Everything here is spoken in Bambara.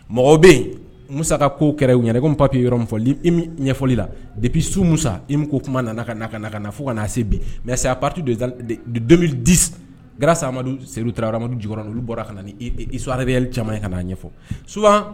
Mɔgɔ bɛ yen musa ka ko kɛ ko papi yɔrɔ fɔ ɲɛfɔli la depi su musa i ko kuma nana ka'a kana ka na fo kana se mɛ se a patu dondi gra sa amadu sedu amadu j olu bɔra ka na suwa reli caman in ka na'a ɲɛfɔ su